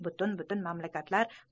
butun butun mamlakatlar